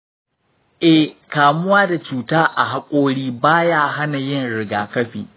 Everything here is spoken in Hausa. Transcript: eh, kamuwa da cuta a haƙori ba ya hana yin rigakafi.